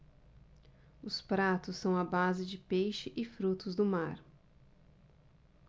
os pratos são à base de peixe e frutos do mar